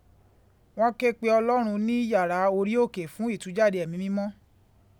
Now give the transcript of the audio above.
Wọ́n ké pe Ọlọ́run ní yàrá orí òkè fún ìtújáde Ẹ̀mí mímọ́.